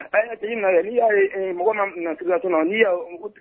A na ii y'a ye mɔgɔ nasila to n' y'